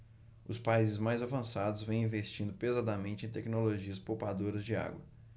os países mais avançados vêm investindo pesadamente em tecnologias poupadoras de água